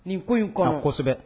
Nin ko in kɔnɔ kosɛbɛ